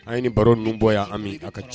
An ye ni baro ninnu bɔ yan Ami a ka c